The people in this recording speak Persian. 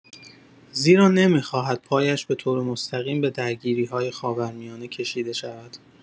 زیرا نمی‌خواهد پایش به‌طور مستقیم به درگیری‌های خاورمیانه کشیده شود.